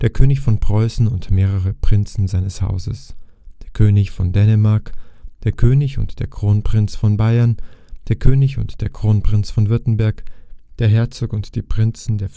König von Preußen und mehrere Prinzen seines Hauses, der König von Dänemark, der König und der Kronprinz von Bayern, der König und der Kronprinz von Württemberg, der Herzog und die Prinzen der